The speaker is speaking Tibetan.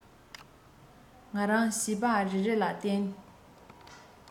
ང རང བྱིས པ རེ རེ ལ བསྟན